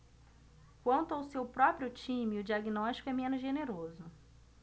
quanto ao seu próprio time o diagnóstico é menos generoso